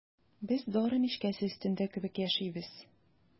Без дары мичкәсе өстендә кебек яшибез.